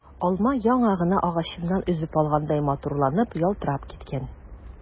Алма яңа гына агачыннан өзеп алгандай матурланып, ялтырап киткән.